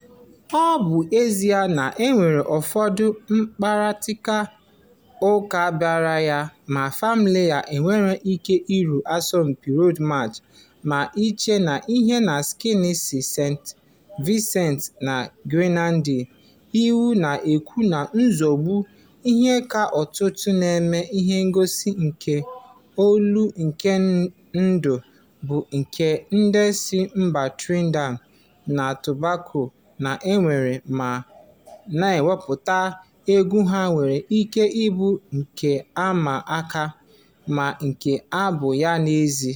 Ọ bụ ezie na e nwere ụfọdụ mkparịta ụka banyere ma "Famalay" e nwere ike iru asọmpi Road March ma ncha n'ihi na Skinny si St. Vincent na Grenadines, iwu na-ekwu na ozugbo "ihe ka ọtụtụ n'ime ihe ngosi nke olu nke ndu" bụ "nke ndị si mba Trinidad na Tobago na-ewere ma na-emepụta", egwu ahụ nwere ike ịbụ nke na-ama aka — ma nke a bụ ya n'ezie.